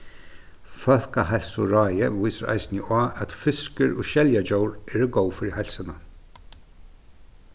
fólkaheilsuráðið vísir eisini á at fiskur og skeljadjór eru góð fyri heilsuna